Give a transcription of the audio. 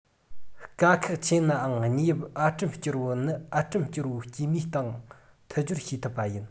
དཀའ ཁག ཆེ ནའང སྙེ དབྱིབས ཨ འབྲུམ སྐྱུར པོ ནི ཨ འབྲུམ སྐྱུར པོ དཀྱུས མའི སྟེང མཐུད སྦྱོར བྱེད ཐུབ པ ཡིན